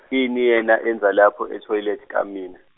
ini yena enza lapho e- toilet kamina.